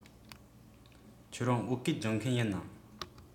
ཁྱོད རང བོད སྐད སྦྱོང མཁན ཡིན ནམ